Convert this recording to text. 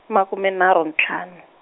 makume nharhu ntlhanu.